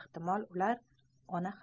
ehtimol ular ona ham